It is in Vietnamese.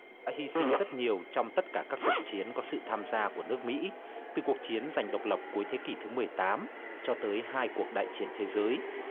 đã hi sinh rất nhiều trong tất cả các cuộc chiến có sự tham gia của nước mỹ từ cuộc chiến giành độc lập cuối thế kỷ thứ mười tám cho tới hai cuộc đại chiến thế giới